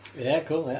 Ia, cŵl, ia.